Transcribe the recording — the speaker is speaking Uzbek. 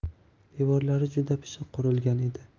devorlari juda pishiq qurilgan edi